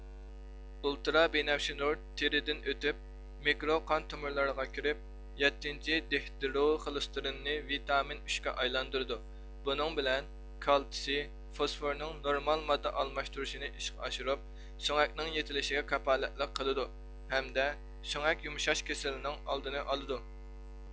ئۇلتىرا بىنەپشە نۇر تېرىدىن ئۆتۈپ مىكرو قان تومۇرلارغا كىرىپ يەتتىنچى دىھېدرو خولېستېرىننى ۋىتامىن ئۈچ كە ئايلاندۇرىدۇ بۇنىڭ بىلەن كالتسىي فوسفورنىڭ نورمال ماددا ئالماشتۇرۇشىنى ئىشقا ئاشۇرۇپ سۆڭەكنىڭ يېتىلىشىگە كاپالەتلىك قىلىدۇ ھەمدە سۆڭەك يۇمشاش كېسىلىنىڭ ئالدىنى ئالىدۇ